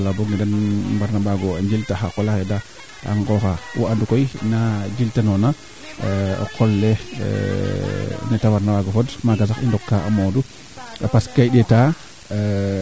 maaga taxar kaa may'a ma parce que o ndeeta ngaan limiter un nene laŋ ke ten waag iro duuf bo sut ngeñ ne kaa barrée oogun taxar ke may'a kam xa qola xe naak ke ka ndosoogu kam xa qola xe wargal wiin we ndosto giina